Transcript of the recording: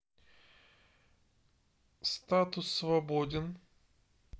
статус свободен